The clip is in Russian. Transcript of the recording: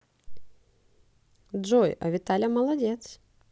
джой а виталя молодец